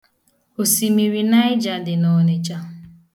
Osimiri Naịja dị n' Ọnịcha